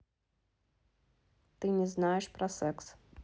ты не знаешь про секс